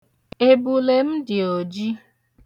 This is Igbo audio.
Ebule m dị oji